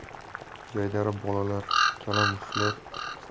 jaydari bolalar kalamushlar